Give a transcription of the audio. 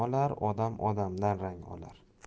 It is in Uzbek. olar odam odamdan rangtolar